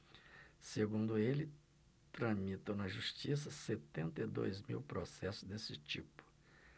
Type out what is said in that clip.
segundo ele tramitam na justiça setenta e dois mil processos desse tipo